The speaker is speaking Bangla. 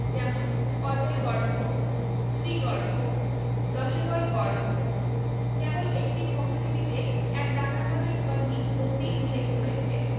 যেমন অজয়গর্ভ শ্রীগর্ভ দশবলগর্ভ কেবল একটি ভগ্ন লিপিতে এক দাতার নাম এর উপাধি নন্দী উল্লেখ রয়েছে